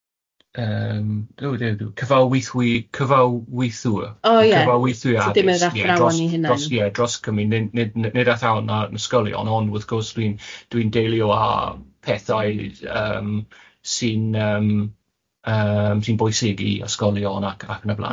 yym cyfawythwyr cyfawythwr... Oh ia so ddim yr athrawn i hunnan. ...cyfawythwy addysg ie dros dros ie dros gymuned nid nid nid athrawon na yn ysgolion ond wrth gwrs dwi'n deulio â pethau yym sy'n yym yym sy'n bwysig i ysgolion ac ac yn y blân. Mm.